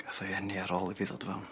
Gath o'i eni ar ôl i fi ddod fewn.